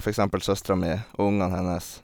For eksempel søstera mi og ungene hennes.